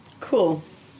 Cŵl.